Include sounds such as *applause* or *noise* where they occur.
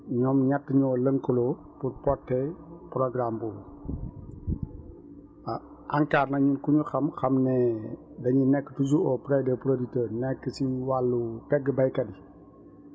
ñoom ñett ñoo lëkkaloo pour porter programme boobu *noise* ah ANCAR nag ku ñu xam xam ne dañu nekk toujours au près des producteurs nekk si wàllu pegg baykat yi